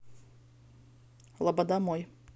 лобода мой